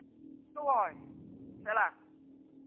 câu hỏi sẽ là